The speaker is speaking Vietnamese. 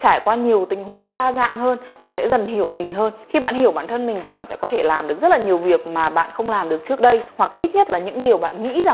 trải qua nhiều tình huống đa dạng hơn bạn sẽ dần hiểu mình hơn khi bạn hiểu bản thân mình thì bạn có thể làm được rất nhiều việc mà bạn không làm được trước đây hoặc ít nhất là những điều bạn nghĩ rằng